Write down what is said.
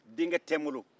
denkɛ tɛ n bolo